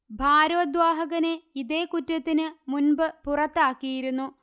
ഭാരോദ്വാഹകനെ ഇതേ കുറ്റത്തിനു മുന്പ് പുറത്താക്കിയിരുന്നു